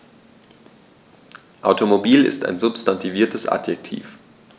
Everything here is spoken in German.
Automobil ist ein substantiviertes Adjektiv.